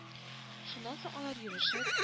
Шуннан соң алар йөрешеп